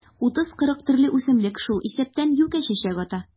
30-40 төрле үсемлек, шул исәптән юкә чәчәк ата.